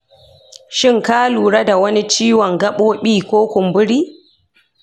shin ka lura da wani ciwon gaɓoɓi ko kumburi?